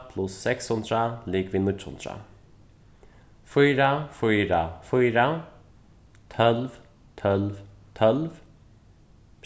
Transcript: pluss seks hundrað ligvið níggju hundrað fýra fýra fýra tólv tólv tólv